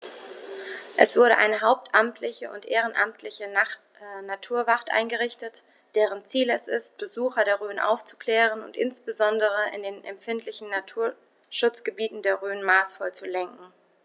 Es wurde eine hauptamtliche und ehrenamtliche Naturwacht eingerichtet, deren Ziel es ist, Besucher der Rhön aufzuklären und insbesondere in den empfindlichen Naturschutzgebieten der Rhön maßvoll zu lenken.